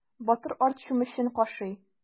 Батыр арт чүмечен кашый.